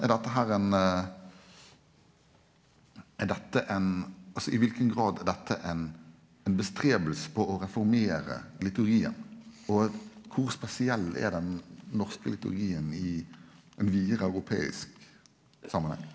er dette herre ein er dette ein altså i kva grad er dette ein ein røyning på å reformere liturgien og kor spesiell er den norske liturgien i ein vidare europeisk samanheng?